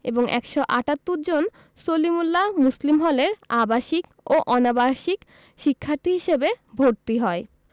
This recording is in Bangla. এবং ১৭৮ জন সলিমুল্লাহ মুসলিম হলের আবাসিক ও অনাবাসিক শিক্ষার্থী হিসেবে ভর্তি হয়